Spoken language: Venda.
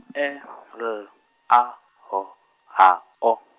E L A H H O.